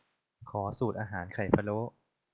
ขอสูตรอาหารไข่พะโล้